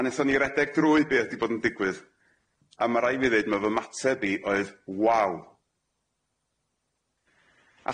A nethon ni redeg drwy be' o'dd 'di bod yn digwydd a ma' raid fi ddeud ma' fy mateb i oedd waw!